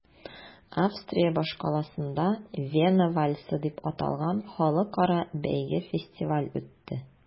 Австрия башкаласында “Вена вальсы” дип аталган халыкара бәйге-фестиваль үтте.